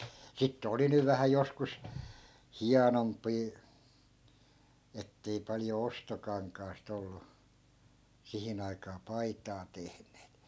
sitten oli nyt vähän joskus hienompiakin että ei paljon ostokankaasta ollut siihen aikaan paitaa tehneet